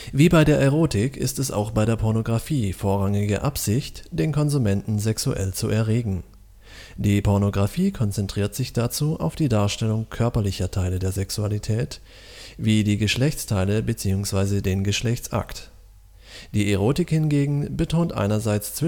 Wie bei der Erotik ist es auch bei der Pornografie vorrangige Absicht, den Konsumenten sexuell zu erregen. Die Pornografie konzentriert sich dazu auf die Darstellung körperlicher Teile der Sexualität, wie die Geschlechtsteile bzw. den Geschlechtsakt. Die Erotik hingegen betont einerseits